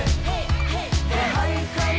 hê